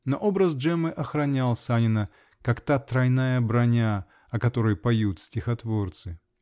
Но образ Джеммы охранял Санина, как та тройная броня, о которой поют стихотворцы.